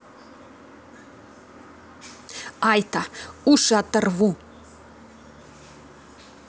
айта уши оторву